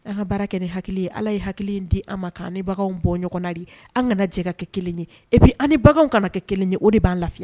An ka baara kɛ ni hakili ye ala ye hakili di an ma kan bagan bɔ ɲɔgɔn na di an kana jɛ ka kɛ kelen ye e bɛ an bagan kana kɛ kelen ye o de b'an lafiye